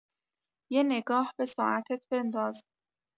یه نگاه به ساعتت بنداز